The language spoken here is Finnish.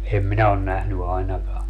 en minä ole nähnyt ainakaan